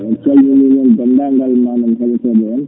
min calminii noon denndaangal *